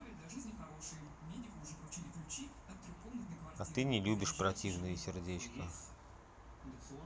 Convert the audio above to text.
а ты не любишь противные сердечко